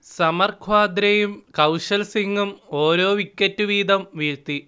സമർ ഖ്വാദ്രയും കൗശൽ സിങ്ങും ഓരോ വിക്കറ്റ് വീതം വീഴ്ത്തി